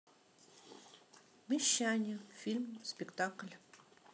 мещане фильм спектакль